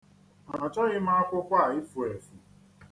Achọghị m akwụkwọ a ifu efu.